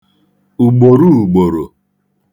ùgbòruùgbòrò